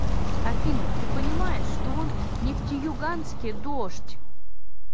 афина ты понимаешь что он нефтеюганске дождь